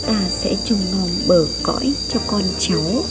ta sẽ trông nom bờ cõi cho con cháu